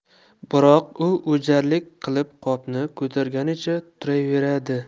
biroq u o'jarlik qilib qopni ko'targanicha turaverdi